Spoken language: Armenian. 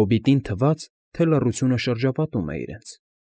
հոբիտին թվաց, թե լռությունը շրջապատում է իրենց։